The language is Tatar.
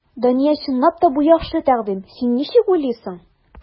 Дания, чынлап та, бу яхшы тәкъдим, син ничек уйлыйсың?